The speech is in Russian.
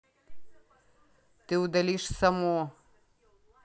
ты удалишь саму